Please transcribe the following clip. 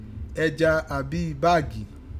ẹja àbí báàgì.